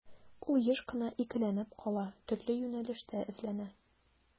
Ул еш кына икеләнеп кала, төрле юнәлештә эзләнә.